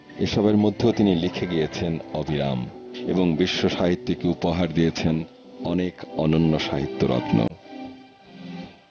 এসবের মধ্যে ও তিনি লিখে গিয়েছেন অবিরাম এবং বিশ্ব সাহিত্য কে উপহার দিয়েছেন অনেক অনন্য সাহিত্য রচনা